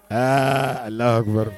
Aa ala